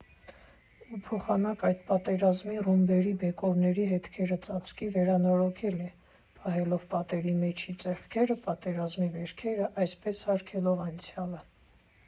Ու փոխանակ այդ պատերազմի, ռումբերի, բեկորների հետքերը ծածկի, վերանորոգել է՝ պահելով պատերի միջի ճեղքերը, պատերազմի վերքերը, այսպես հարգելով անցյալը։